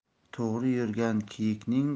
to'g'ri yurgan kiyikning